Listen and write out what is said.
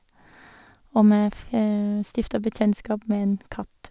Og vi fi stifta bekjentskap med en katt.